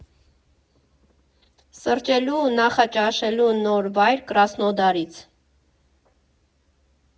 Սրճելու ու նախաճաշելու նոր վայր՝ Կրասնոդարից։